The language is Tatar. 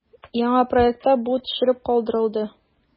Яңа проектта бу төшереп калдырылды.